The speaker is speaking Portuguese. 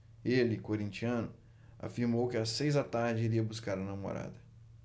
ele corintiano afirmou que às seis da tarde iria buscar a namorada